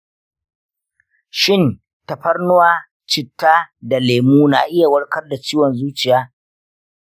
shin, tafarnuwa, citta, da lemu na iya warkar da ciwon zuciya?